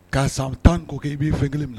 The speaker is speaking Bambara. K ka san tan k' i b'i fɛ kelen minɛ na